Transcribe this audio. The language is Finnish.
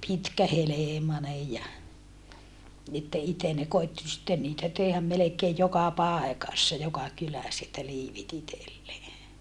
pitkähelmainen ja että itse ne koetti sitten niitä tehdä melkein joka paikassa joka kylässä että liivit itselleen